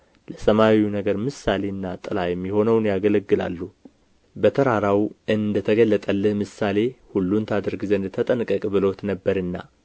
ለሰማያዊ ነገር ምሳሌና ጥላ የሚሆነውን ያገለግላሉ በተራራው እንደ ተገለጠልህ ምሳሌ ሁሉን ታደርግ ዘንድ ተጠንቀቅ ብሎት ነበርና